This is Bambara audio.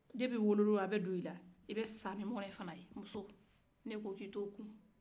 kabi i wolo don a bɛ don i la i bɛ sa ni mɔnɛ fɛnɛ ye